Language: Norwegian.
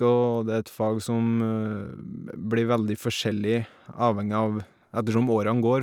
Og det et fag som blir veldig forskjellig avhengig av ettersom årene går.